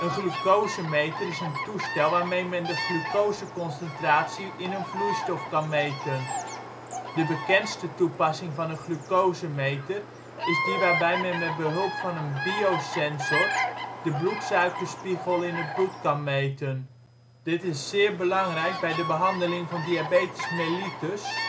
glucosemeter is een toestel waarmee men de glucoseconcentratie in een vloeistof kan meten. De bekendste toepassing van een glucosemeter is die waarbij men met behulp van een biosensor de bloedsuikerspiegel in het bloed kan meten. Dit is zeer belangrijk bij de behandeling van Diabetes mellitus